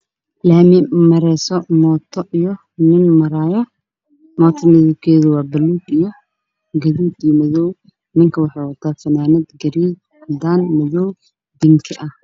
Laami ay marayaan mooto iyo nin mootada kaleerkeedu waa guduud iyo madow